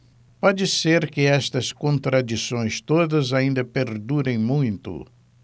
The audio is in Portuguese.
pode ser que estas contradições todas ainda perdurem muito